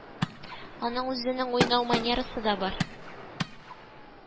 Аның үзенең уйнау манерасы да бар